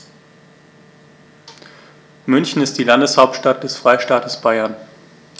München ist die Landeshauptstadt des Freistaates Bayern.